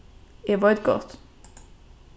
eg veit gott